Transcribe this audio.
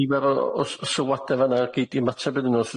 Nifer o o s- o sylwade fanna gei di ymateb iddyn nw os